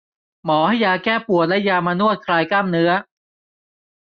หมอให้ยาแก้ปวดและยามานวดคลายกล้ามเนื้อ